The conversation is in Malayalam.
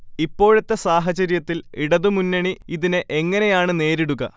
ഇപ്പോഴത്തെ സാഹചര്യത്തിൽ ഇടതുമുന്നണി ഇതിനെ എങ്ങനെയാണ് നേരിടുക